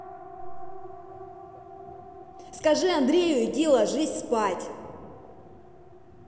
скажи андрею иди ложись спать